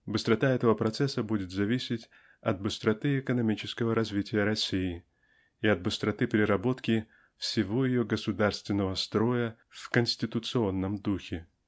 Быстрота этого процесса будет зависеть от быстроты экономического развития России и от быстроты переработки всего ее государственного строя в конституционном духе.